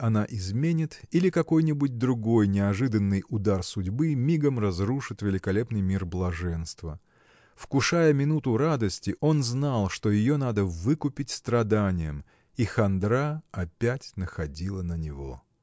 она изменит или какой-нибудь другой неожиданный удар судьбы мигом разрушит великолепный мир блаженства. Вкушая минуту радости он знал что ее надо выкупить страданием и хандра опять находила на него.